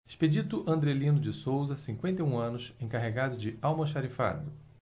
expedito andrelino de souza cinquenta e um anos encarregado de almoxarifado